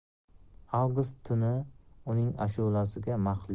avgust tuni uning ashulasiga